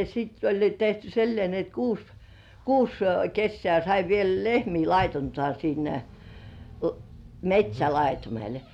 sitten oli jo tehty sillä lailla niin että kuusi kuusi kesää sai vielä lehmiä laiduntaa siinä metsälaitumella